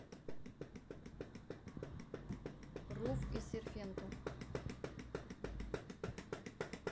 рув и серфенто